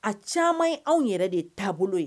A caman ye anw yɛrɛ de taabolo ye